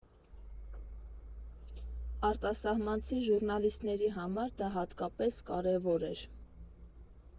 Արտասահմանցի ժուռնալիստների համար դա հատկապես կարևոր էր։